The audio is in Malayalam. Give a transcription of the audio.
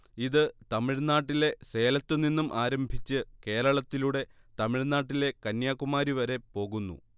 ഇത് തമിഴ് നാട്ടിലെ സേലത്തുനിന്നും ആരംഭിച്ച് കേരളത്തിലൂടെ തമിഴ് നാട്ടിലെ കന്യാകുമാരി വരെ പോകുന്നു